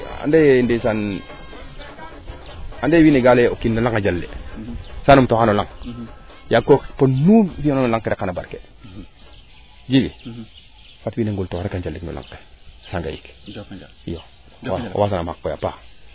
Djiby ande ndeysaan ande wiin we ga leye o kiin no laŋ a jale sa numtu waa no laŋ yaag koy podnu fi yoona no laŋ ke rek xana barke Djiby fat wiin we ngur toox rek a njalik no laŋ ke a ngayik iyo njokonjal o wasanaam xaq koy